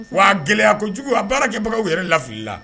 Wa gɛlɛya jugu a baara kɛbagaww yɛrɛ lafili la